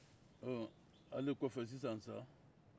bɔn ale kɔfɛ sisan sa